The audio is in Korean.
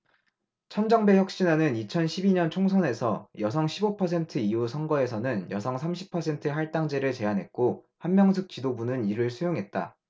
천정배 혁신안은 이천 십 이 년 총선에선 여성 십 오 퍼센트 이후 선거에서는 여성 삼십 퍼센트 할당제를 제안했고 한명숙 지도부는 이를 수용했다